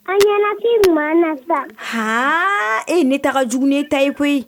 A ɲɛnafi kun ma na sa , haa, ee ne ta ka jugu ni e ta ye koyi.